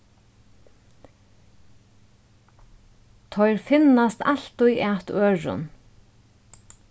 teir finnast altíð at øðrum